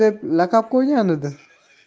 deb laqab qo'ygan edi